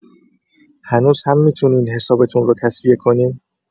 هنوز هم می‌تونین حسابتون رو تسویه کنین؟